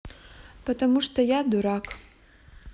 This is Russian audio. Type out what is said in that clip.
потому что я дурак